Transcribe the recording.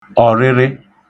ọ̀rịrị